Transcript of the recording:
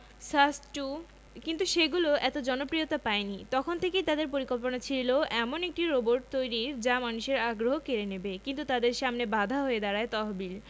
SUST two কিন্তু সেগুলো এত জনপ্রিয়তা পায়নি তখন থেকেই তাদের পরিকল্পনা ছিল এমন একটি রোবট তৈরির যা মানুষের আগ্রহ কেড়ে নেবে কিন্তু তাদের সামনে বাধা হয়ে দাঁড়ায় তহবিল